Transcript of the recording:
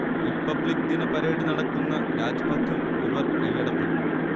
republic ദിന parade നടക്കുന്ന രാജ്പഥും ഇവർ കൈയടക്കും